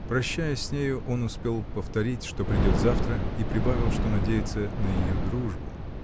Прощаясь с нею, он успел повторить, что придет завтра, и прибавил, что надеется на ее дружбу.